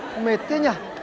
mệt thế nhờ